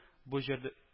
Бу җир